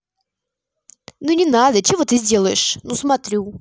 ну не надо чего ты сделаешь ну смотрю